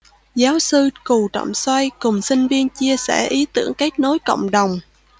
giáo sư cù trọng xoay cùng sinh viên chia sẻ ý tưởng kết nối cộng đồng